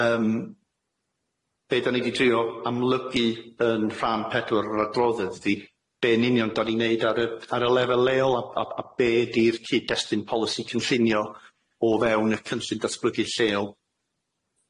yym be' da ni di drio amlygu yn rhan pedwar o'r adroddedd ydi be' yn union da ni'n neud ar y ar y lefel leol a a a be' di'r cyd-destun polisi cynllunio o fewn y cynllun datblygu lleol